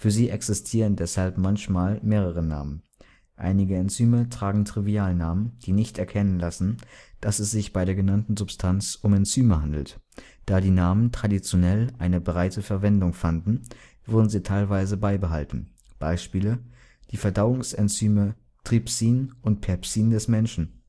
sie existieren deshalb manchmal mehrere Namen. Einige Enzyme tragen Trivialnamen, die nicht erkennen lassen, dass es sich bei der genannten Substanz um Enzyme handelt. Da die Namen traditionell eine breite Verwendung fanden, wurden sie teilweise beibehalten (Beispiele: die Verdauungsenzyme Trypsin und Pepsin des Menschen